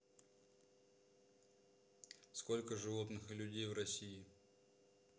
сколько животных и людей в россии